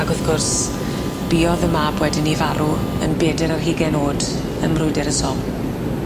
Ag wrth gwrs buodd y mab wedyn 'ny farw yn bedyr ar hugen o'd ym mrwydyr y Somme.